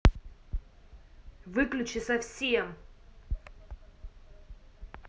выключи совсем